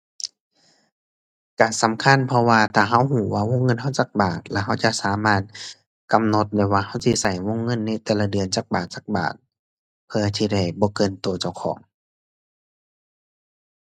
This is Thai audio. ก็สำคัญ เพราะว่าถ้าก็ก็ว่าวงเงินก็จักบาทแล้วก็จะสามารถ กำหนดได้ว่าก็สิก็วงเงินในแต่ละเดือนจักบาทจักบาท เพื่อที่ได้บ่เกินก็เจ้าของ